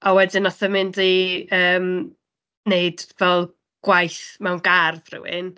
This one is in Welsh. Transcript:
A wedyn wnaeth e mynd i, yym, wneud fel gwaith mewn gardd rywun.